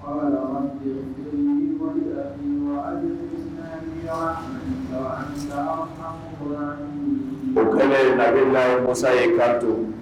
O bɔla yen, nabi laahi _ Musa y'i kan to